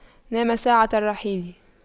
نام ساعة الرحيل